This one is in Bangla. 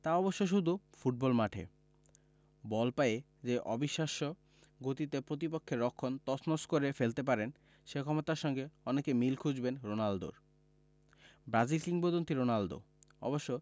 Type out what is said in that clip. তা অবশ্য শুধু ফুটবল মাঠে বল পায়ে যে অবিশ্বাস্য গতিতে প্রতিপক্ষের রক্ষণ তছনছ করে ফেলতে পারেন সেই ক্ষমতার সঙ্গে অনেকে মিল খুঁজবেন রোনালদোর ব্রাজিল কিংবদন্তি রোনালদো অবশ্য